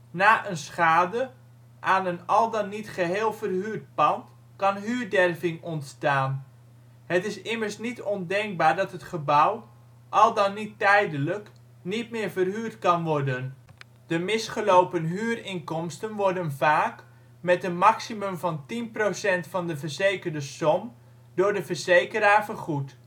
Na een schade aan een al dan niet geheel verhuurd pand kan huurderving ontstaan. Het is immers niet ondenkbaar dat het gebouw, al dan niet tijdelijk, niet meer verhuurd kan worden. De misgelopen huurinkomsten worden vaak, met een maximum van 10 % van de verzekerde som, door de verzekeraar vergoed